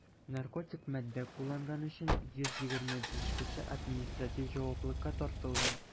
Наркотик матдә кулланган өчен 125 кеше административ җаваплылыкка тартылган.